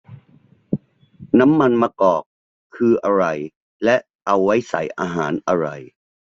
น้ำมันมะกอกคืออะไรและเอาไว้ใส่อาหารอะไร